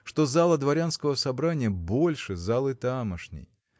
что зала Дворянского собрания больше залы тамошней.